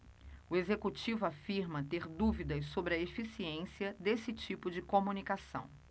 o executivo afirma ter dúvidas sobre a eficiência desse tipo de comunicação